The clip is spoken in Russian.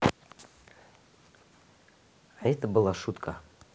а это была шутка